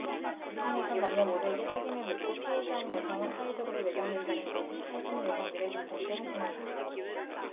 북한에선 남녀 모두에게 책임을 묻고 피해자인 여성은 사회적으로 매장된다는 것이 탈북 여성들의 공통된 증언이다